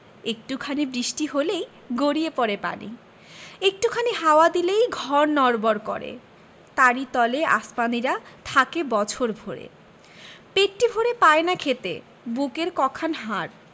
একটু খানি বৃষ্টি হলেই গড়িয়ে পড়ে পানি একটু খানি হাওয়া দিলেই ঘর নড়বড় করে তারি তলে আসমানীরা থাকে বছর ভরে পেটটি ভরে পায় না খেতে বুকের ক খান হাড়